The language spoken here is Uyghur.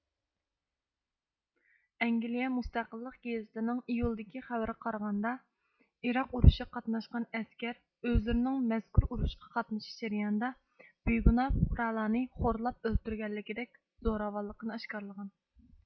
ئەنگىليە مۇستەقىللق گېزىتى نىڭ ئىيۇلدىكى خەۋىرىگە قارىغاندا ئېراق ئۇرۇشىغا قاتناشقان ئەسكەر ئۆزلىرىنىڭ مەزكۇر ئۇرۇشقا قاتنىشىش جەريانىدا بىگۇناھ پۇقرالارنى خورلاپ ئۆلتۈرگەنلىكىدەك زوراۋانلىقىنى ئاشكارىلغان